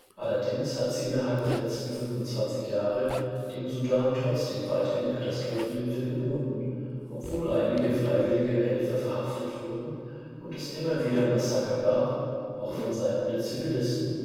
Allerdings hat sie innerhalb der letzten 25 Jahre dem Sudan trotzdem weiterhin Katastrophenhilfe geboten, obwohl einige freiwillige Helfer verhaftet wurden und es immer wieder Massaker gab, auch von Seiten der Zivilisten